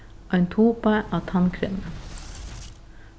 ein tuba av tannkremi